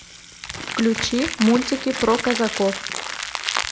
включи мультики про казаков